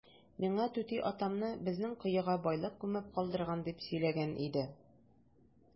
Миңа түти атамны безнең коега байлык күмеп калдырган дип сөйләгән иде.